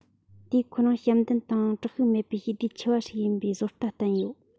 དེས ཁོ རང བྱམས ལྡན དང དྲག ཤུགས མེད པའི ཞི བདེའི ཆོས པ ཞིག ཡིན པའི བཟོ ལྟ བསྟན ཡོད